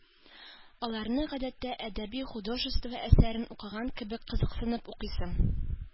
Аларны, гадәттә, әдәби-художество әсәрен укыган кебек кызыксынып укыйсың.